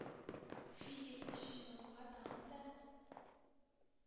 Физик чыныгуга тагын да